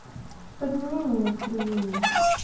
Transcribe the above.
подними мне настроение